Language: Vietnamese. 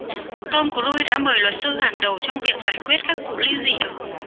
tom cruise đã mời luật sư hàng đầu trong việc giải quyết các vụ ly dị ở